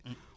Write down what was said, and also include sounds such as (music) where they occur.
(hesitation) (hesitation)